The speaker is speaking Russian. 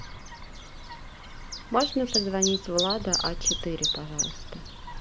можно позвонить влада а четыре пожалуйста